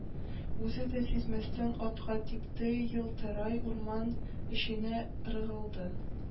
Үзе дә сизмәстән атка типте, елтыртай урман эченә ыргылды,